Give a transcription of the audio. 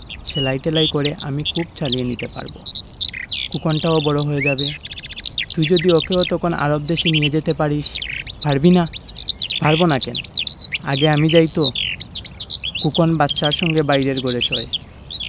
সেলাই টেলাই করে আমি খুব চালিয়ে নিতে পারব খোকনটাও বড় হয়ে যাবে তুই যদি ওকেও তখন আরব দেশে নিয়ে যেতে পারিস পারবি না পারব না কেন আগে আমি যাই তো খোকন বাদশার সঙ্গে বাইরের ঘরে শোয়